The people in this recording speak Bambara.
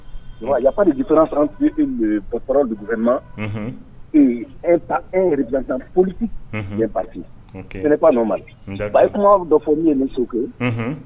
Ya di dugu ma tan poli basi ba kuma b dɔ fɔ n ye ni su kɛ